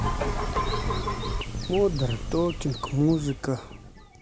модерн токинг музыка